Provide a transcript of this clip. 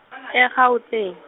e- Gauteng.